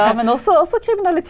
ja men også også kriminalitet.